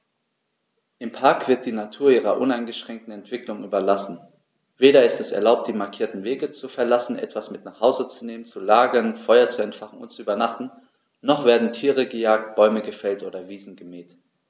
Im Park wird die Natur ihrer uneingeschränkten Entwicklung überlassen; weder ist es erlaubt, die markierten Wege zu verlassen, etwas mit nach Hause zu nehmen, zu lagern, Feuer zu entfachen und zu übernachten, noch werden Tiere gejagt, Bäume gefällt oder Wiesen gemäht.